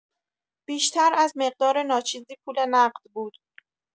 بیشتر از مقدار ناچیزی پول نقد بود.